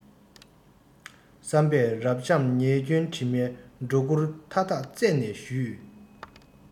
བསམ པས རབ འབྱམས ཉེས སྐྱོན དྲི མའི སྒྲོ སྐུར མཐའ དག རྩད ནས བཞུས